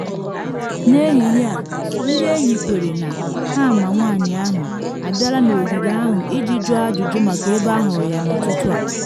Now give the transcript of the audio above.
N’ehihie a ndị enyi kwere na ha ma nwanyị ahụ abịala n’ogige ahụ iji jụọ ajụjụ maka ebe ahụrụ ya n’ụtụtụ a.